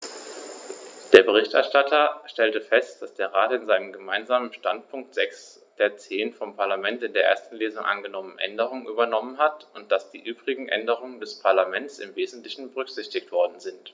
Der Berichterstatter stellte fest, dass der Rat in seinem Gemeinsamen Standpunkt sechs der zehn vom Parlament in der ersten Lesung angenommenen Änderungen übernommen hat und dass die übrigen Änderungen des Parlaments im wesentlichen berücksichtigt worden sind.